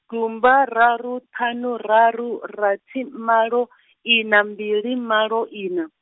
gumba raru ṱhanu raru rathi malo, ina mbili malo ina.